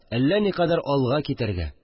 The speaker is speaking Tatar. Әллә никадәр алга китәргә